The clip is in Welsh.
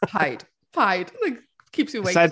Paid, paid. Like, keeps you awake.